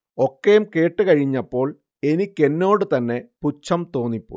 ഒക്കേം കേട്ടുകഴിഞ്ഞപ്പോൾ എനിക്കെന്നോടു തന്നെ പുച്ഛം തോന്നിപ്പോയി